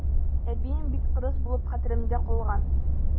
Әбием бик кырыс булып хәтеремдә калган.